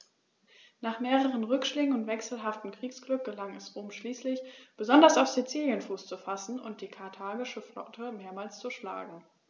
Nach mehreren Rückschlägen und wechselhaftem Kriegsglück gelang es Rom schließlich, besonders auf Sizilien Fuß zu fassen und die karthagische Flotte mehrmals zu schlagen.